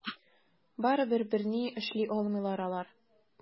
Барыбер берни эшли алмыйлар алар.